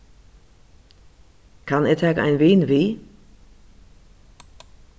kann eg taka ein vin við